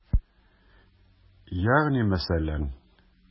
Ягъни мәсәлән?